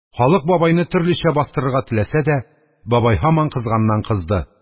Халык бабайны төрлечә бастырырга теләсә дә, бабай һаман кызганнан-кызды.